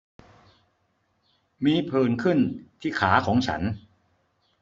มีผื่นขึ้นที่ขาของฉัน